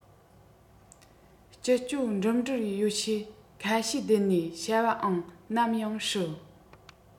སྤྱི སྤྱོད འགྲིམ འགྲུལ ཡོ བྱད ཁ ཤས བསྡད ནས བྱ བའང ནམ ཡང སྲིད